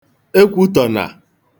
Ekwūtọ̀nà